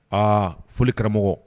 Aa fɔli karamɔgɔ